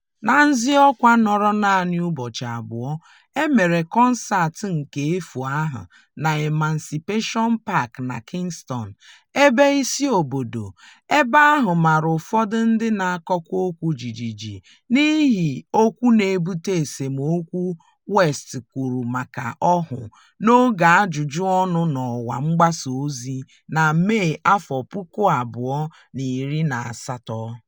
Na nziọkwa nọrọ naanị ụbọchi abụọ, e mere kọnseetị nke efu ahụ n'Emancipation Park na Kingston, ebe isi obodo — ebe ahụ mara ụfọdụ ndi na-akọwa okwu jijiji n'ihi okwu na-ebute esemokwu West kwuru maka óhù n'oge ajụjụ ọnụ n'ọwa mgbasa ozi na Mee 2018.